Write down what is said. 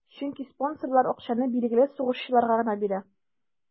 Чөнки спонсорлар акчаны билгеле сугышчыларга гына бирә.